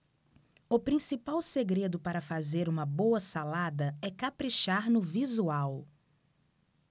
o principal segredo para fazer uma boa salada é caprichar no visual